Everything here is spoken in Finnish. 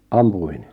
ampui